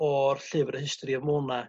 o'r llyfr The History of Mona